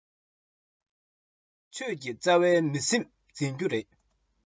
ཀུན ལ བདེ བའི རྩ བ བཙུགས པ བཟང